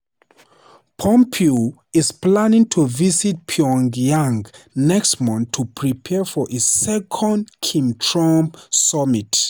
Pompeo is planning to visit Pyongyang next month to prepare for a second Kim-Trump summit.